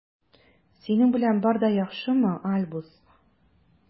Синең белән бар да яхшымы, Альбус?